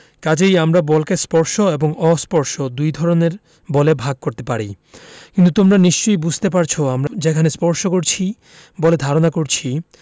কাজেই আমরা বলকে স্পর্শ এবং অস্পর্শ দুই ধরনের বলে ভাগ করতে পারি কিন্তু তোমরা নিশ্চয়ই বুঝতে পারছ আমরা যেখানে স্পর্শ করছি বলে ধারণা করছি